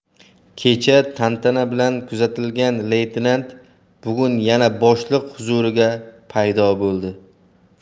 kecha tantana bilan kuzatilgan leytenant bugun yana boshliq huzurida paydo bo'ldi